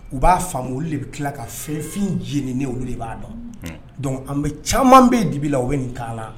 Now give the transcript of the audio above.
U b'a faamu de bɛ tila ka fɛnfin jenienw de b'a dɔn an bɛ caman bɛ dibi la wele nin kan la